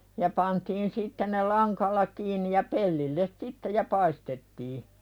ja pantiin sitten ne langalla kiinni ja pellille sitten ja paistettiin